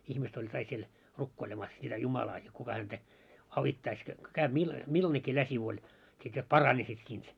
ihmiset oli kaikki siellä rukoilemassa sitä Jumalaa jotta kuka häntä auttaisi jotta kun käy - millainenkin läsiä oli sitten jotta paranisit siitä